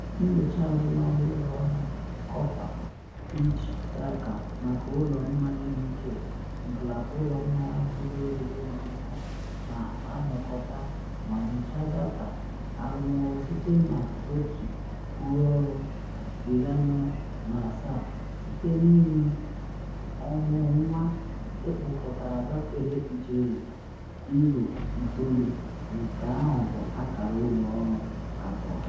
Nyocha azụmahịa ụlọ ọrụ Coffer Peach Tracker maka ụlọ mmanya UK, ngalaba ụlọ mmanya na ụlọ oriri na ọṅụṅụ na anakọta ma nyochaa data arụmọrụ site na otu nrụọrụ 47, site na ịnwe ọmụrụnwa ekpokọtara gafere ijeri £9, nke ahụ bụ akara ụlọ ọrụ atọrọ.